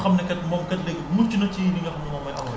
ban période wala fan la toolam war a toll